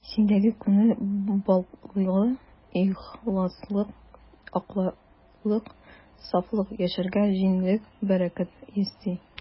Синдәге күңел байлыгы, ихласлык, аклык, сафлык яшәргә җиңеллек, бәрәкәт өсти.